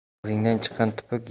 og'zingdan chiqqan tupruk